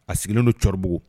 A sigilen n dono cɛkɔrɔbabugu